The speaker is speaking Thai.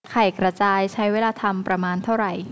ไข่กระจายใช้เวลาทำประมาณเท่าไหร่